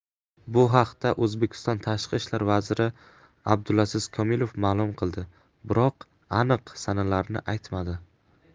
bu haqda o'zbekiston tashqi ishlar vaziri abdulaziz komilov ma'lum qildi biroq aniq sanalarni aytmadi